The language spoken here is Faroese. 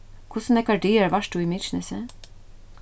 hvussu nógvar dagar vart tú í mykinesi